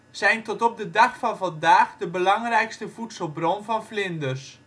zijn tot op de dag van vandaag de belangrijkste voedselbron van vlinders